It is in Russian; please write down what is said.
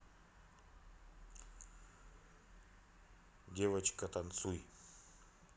девочка танцуй